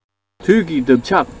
དུས ཀྱི འདབ ཆགས